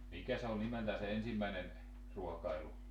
mikä se oli nimeltä se ensimmäinen ruokailu